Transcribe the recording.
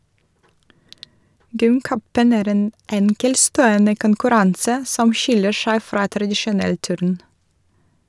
Gymcupen er en enkeltstående konkurranse som skiller seg fra tradisjonell turn.